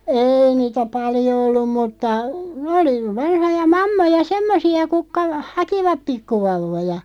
ei niitä paljon ollut mutta oli vanhoja mammoja semmoisia kutka hakivat pikkuvauvoja